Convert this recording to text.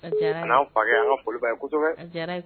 An n'an faga an ka foliba ye kosɛbɛ